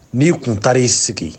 N'i kunta ii sigi